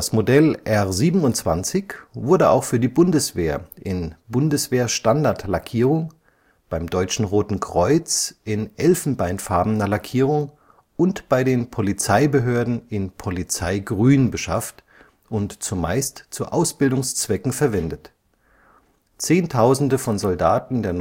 Modell R 27 wurde auch für die Bundeswehr in Bundeswehr-Standardlackierung, beim Deutschen Roten Kreuz in elfenbeinfarbener Lackierung und bei den Polizeibehörden in Polizei-Grün (RAL 6009 Tannengrün) beschafft und zumeist zu Ausbildungszwecken verwendet. Zehntausende von Soldaten der